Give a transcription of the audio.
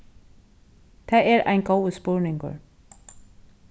tað er ein góður spurningur